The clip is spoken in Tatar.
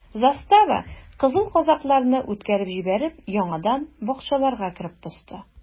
Застава, кызыл казакларны үткәреп җибәреп, яңадан бакчаларга кереп посты.